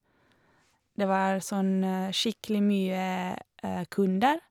Det var sånn skikkelig mye kunder.